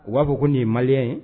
U b'a fɔ ko nin ye malien ye